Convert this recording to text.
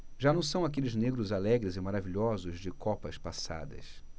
já não são aqueles negros alegres e maravilhosos de copas passadas